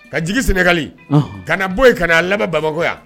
Ka jigi sɛnɛgali ka na bɔ yen ka'a lamɛn bamakɔ yan